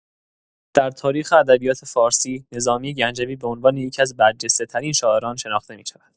در تاریخ ادبیات فارسی، نظامی‌گنجوی به عنوان یکی‌از برجسته‌ترین شاعران شناخته می‌شود.